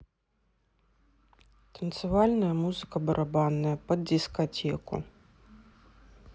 танцевальная музыка барабанная под дискотеку